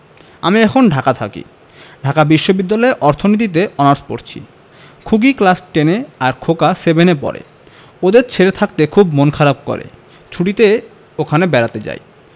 আমি এখন ঢাকা থাকি ঢাকা বিশ্ববিদ্যালয়ে অর্থনীতিতে অনার্স পরছি খুকি ক্লাস টেন এ আর খোকা সেভেন এ পড়ে ওদের ছেড়ে থাকতে খুব মন খারাপ করে ছুটিতে ওখানে বেড়াতে যাই